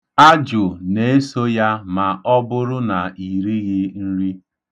Ajụ na-eso ya ma ọ bụrụ na i righị nri.